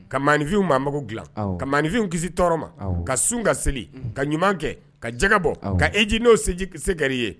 Ka maanifinw maa mago dilan awɔ ka maanifinw kis'i tɔɔrɔ ma awɔ ka sun ka seli unhun ka ɲuman kɛ ka jaga bɔ awɔ ka hiiji n'o sejik se kɛr'i ye